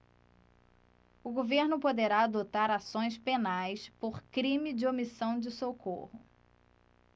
o governo poderá adotar ações penais por crime de omissão de socorro